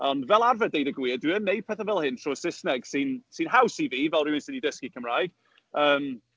Ond fel arfer, deud y gwir, dwi ynw neud pethau fel hyn trwy'r Saesneg, sy'n sy'n haws i fi, fel rywun sy 'di dysgu Cymraeg. Yym...